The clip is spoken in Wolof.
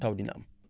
taw dina am